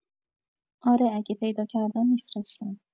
اره اگه پیدا کردم می‌فرستم